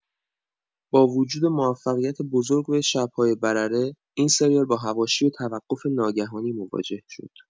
با وجود موفقیت بزرگ شب‌های برره، این سریال با حواشی و توقف ناگهانی مواجه شد.